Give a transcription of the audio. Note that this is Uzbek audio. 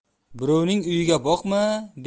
birovning uyiga boqma